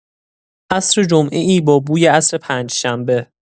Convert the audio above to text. عصر جمعه‌ای با بوی عصر پنجشنبه